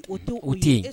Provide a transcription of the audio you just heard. o to o tɛ yen.